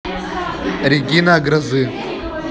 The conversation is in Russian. регина грезы